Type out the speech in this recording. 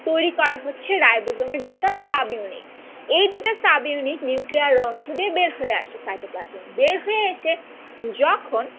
তৈরি করে হচ্ছে রাইবোজোমের দুইটা সাব ইউনিট এই দুটো সাব ইউনিট নিউক্লিয়ার রন্ধ্র দিয়ে বের হয়ে আসে সাইটোপ্লাজমে বের হয়ে এসে যখন